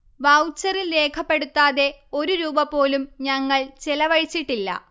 വൗച്ചറിൽ രേഖപ്പെടുത്താതെ ഒരു രൂപ പോലും ഞങ്ങൾ ചെലവഴിച്ചിട്ടില്ല